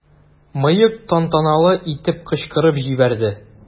"мыек" тантаналы итеп кычкырып җибәрде.